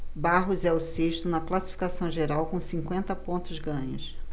barros é o sexto na classificação geral com cinquenta pontos ganhos